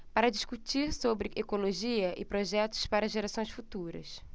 para discutir sobre ecologia e projetos para gerações futuras